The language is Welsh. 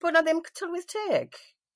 bo' 'na ddim c- tylwyth teg?